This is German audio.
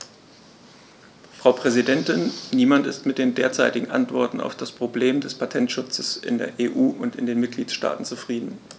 Frau Präsidentin, niemand ist mit den derzeitigen Antworten auf das Problem des Patentschutzes in der EU und in den Mitgliedstaaten zufrieden.